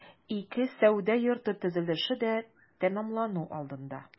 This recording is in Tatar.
Ике сәүдә йорты төзелеше дә тәмамлану алдында.